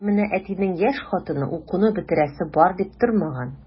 Ә менә әтинең яшь хатыны укуны бетерәсе бар дип тормаган.